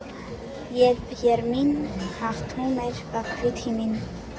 Երբ ԵռՄԻն հաղթում էր Բաքվի թիմին։